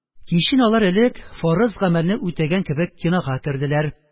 Кичен алар элек, фарыз гамәлне үтәгән кебек, кинога керделәр